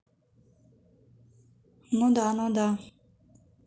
ну да ну да